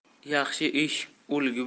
yaxshi ish ulgi bo'lar